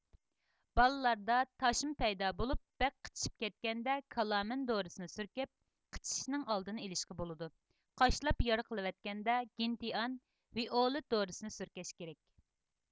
بالىلاردا تاشما پەيدا بولۇپ بەك قىچىشىپ كەتكەندە كالامىن دورىسىنى سۈركەپ قىچىشىشنىڭ ئالدىنى ئېلىشقا بولىدۇ قاشلاپ يارا قىلىۋەتكەندە گېنتىئان ۋىئولېت دورىسنى سۈركەش كېرەك